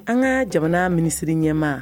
An ka jamana minisiriri ɲɛma